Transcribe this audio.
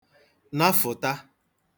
nafụ̀ta